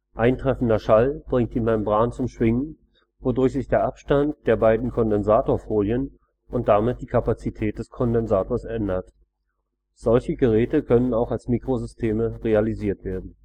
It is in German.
Eintreffender Schall bringt die Membran zum Schwingen, wodurch sich der Abstand der beiden Kondensatorfolien und damit die Kapazität des Kondensators verändert. Solche Geräte können auch als Mikrosysteme realisiert werden